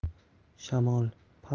shamol parqu bulutlarni